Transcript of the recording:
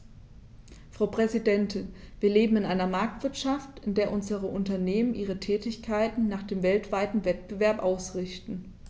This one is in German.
Frau Präsidentin, wir leben in einer Marktwirtschaft, in der unsere Unternehmen ihre Tätigkeiten nach dem weltweiten Wettbewerb ausrichten.